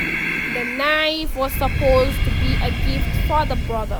The knife was supposed to be a gift for the brother.